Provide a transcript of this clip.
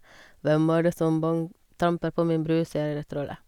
, sier trollet.